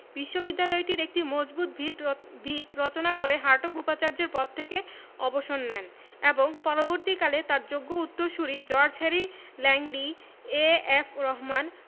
বিশ্ববিদ্যালয়টির একটি মজবুত ভিত ভিত রচনা করে হার্টগ উপাচার্যের পদ থেকে অবসর নেন এবং পরবর্তীকালে তাঁর যোগ্য উত্তরসূরি George Harry Langley A F Rahman